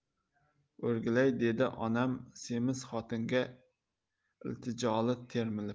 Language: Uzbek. o'rgilay dedi onam semiz xotinga iltijoli termilib